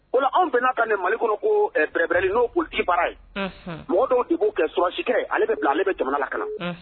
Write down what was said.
Ko anw bɛna ka nin mali kɔnɔ ko bɛrɛbrɛl n'o di bara ye mɔgɔ dɔw tɛ b'u kɛ surakasikɛ ale bɛ bila ale bɛ jamana la ka na